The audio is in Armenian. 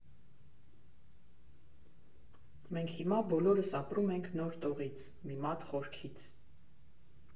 Մենք հիմա բոլորս ապրում ենք նոր տողից, մի մատ խորքից։